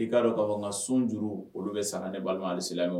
I ka dɔn ka fɔ nga sun juru olu be sara ne balima alisila